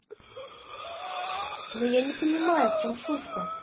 но я не понимаю в чем шутка